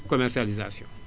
commercialisation